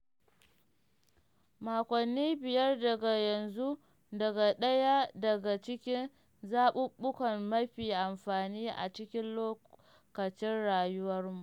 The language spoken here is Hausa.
Makonni biyar daga yanzu daga ɗaya daga cikin zaɓuɓɓuka mafi amfani a cikin lokacin rayuwarmu.